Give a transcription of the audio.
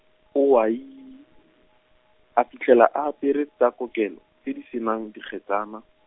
owai, a fitlhela a apere tsa kokelo, tse di se nang dikgetsana.